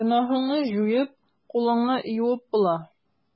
Гөнаһыңны җуеп, кулыңны юып була.